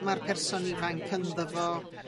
ma'r person ifanc ynddo fo